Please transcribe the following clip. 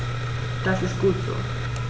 Das ist gut so.